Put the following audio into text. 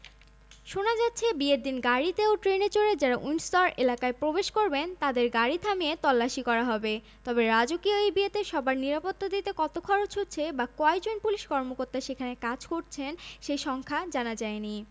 শোনা যাচ্ছে বিয়ের দিন গাড়িতে ও ট্রেনে চড়ে যাঁরা উইন্ডসর এলাকায় প্রবেশ করবেন তাঁদের গাড়ি থামিয়ে তল্লাশি করা হবে তবে রাজকীয় এই বিয়েতে সবার নিরাপত্তা দিতে কত খরচ হচ্ছে বা কয়জন পুলিশ কর্মকর্তা সেখানে কাজ করছেন সেই সংখ্যা জানা যায়নি